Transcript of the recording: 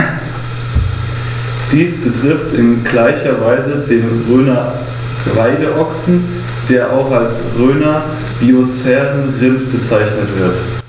Dies betrifft in gleicher Weise den Rhöner Weideochsen, der auch als Rhöner Biosphärenrind bezeichnet wird.